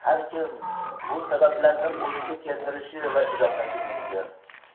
har kim bu sabablarni o'zicha keltirishi va izohlashi mumkin